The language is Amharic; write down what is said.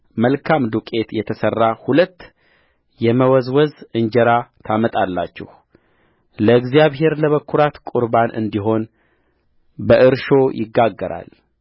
መልካም ዱቄት የተሠራ ሁለት የመወዝወዝ እንጀራ ታመጣላችሁ ለእግዚአብሔር ለበኵራት ቍርባን እንዲሆን በእርሾ ይጋገራል